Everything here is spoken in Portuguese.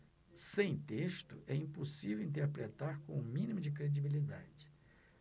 sem texto é impossível interpretar com o mínimo de credibilidade